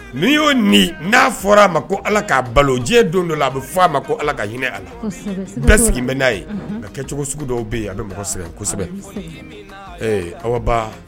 Ni yo ni na fɔra a ma ko Ala ya balo diɲɛ don dɔ a bi f fɔ a ma ko Ala ka hinɛ a la. Bɛɛ sigilen bɛ na ye. Nga kɛ cogo sugu dɔw be yen a bɛ mɔgɔ sɛngɛ kosɛbɛ. Ee Awa Ba